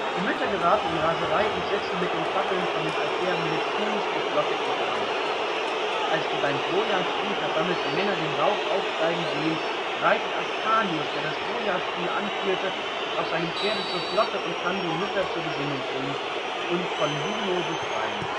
Mütter geraten in Raserei und setzen mit den Fackeln von den Altären Neptuns die Flotte in Brand. Als die beim Trojaspiel versammelten Männer den Rauch aufsteigen sehen, reitet Ascanius, der das Trojaspiel anführte, auf seinem Pferd zur Flotte und kann die Mütter zur Besinnung bringen und „ von Juno befreien